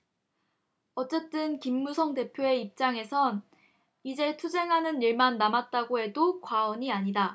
어쨌든 김무성 대표의 입장에선 이제 투쟁하는 일만 남았다고 해도 과언이 아니다